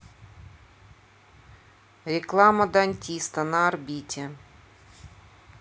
реклама дантиста на орбите